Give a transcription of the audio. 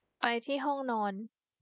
ไปที่ห้องนอน